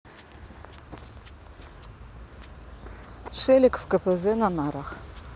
шелег в кпз на нарах